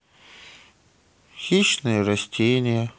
хищные растения